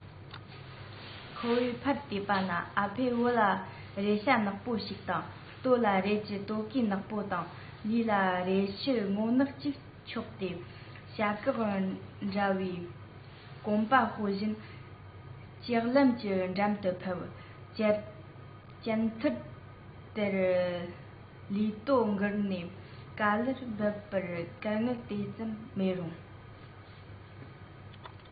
ཁོ བོས ཕར བལྟས པ ན ཨ ཕས དབུ ལ རས ཞྭ ནག པོ ཞིག དང སྟོད ལ རས ཀྱི སྟོད གོས ནག པོ དང ལུས ལ རས ཕྱུ སྔོ ནག ཅིག མཆོད དེ བྱ གག འདྲ བའི གོམ པ སྤོ བཞིན ལྕགས ལམ གྱི འགྲམ དུ ཕེབས གྱེན ཐུར དེར ལུས སྟོད བསྒུར ནས ག ལེར བབས པར དཀའ ངལ དེ ཙམ མེད རུང